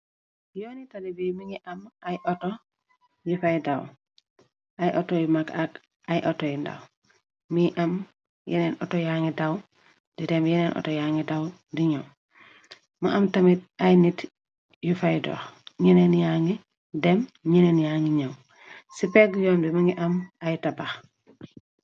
Yooni tali bi mi ngi am ay oto yu fay daw ay ato yu mag at ay auto yu ndaw. Mi am yeneen auto yaa ni daw di dem. Yeneen auto yaa ngi daw di ñëw mo am tamit ay nit yu fay dox. Neneen yaa ngi dem ñeneen yaa ngi ñëw ci pegg yoon bi mi ngi am ay tabax.